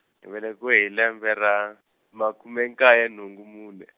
ni velekiwe hi lembe ra, makume nkaye nhungu mune.